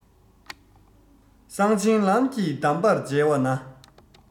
གསང ཆེན ལམ གྱི གདམས པར མཇལ བ ན